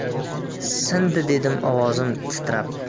sindi dedim ovozim titrab